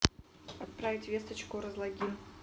отправить весточку разлогин